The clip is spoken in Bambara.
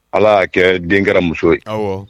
Ala y'a kɛ den kɛra muso ye. Awɔ.